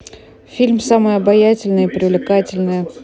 фильм самая обаятельная и привлекательная